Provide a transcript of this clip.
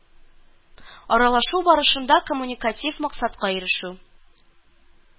Аралашу барышында коммуникатив максатка ирешү